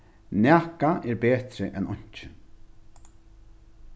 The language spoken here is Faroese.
nakað er betri enn einki